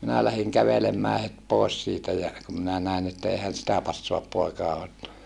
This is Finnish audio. minä lähdin kävelemään heti pois siitä ja kun minä näin että eihän sitä passaa poikien ottaa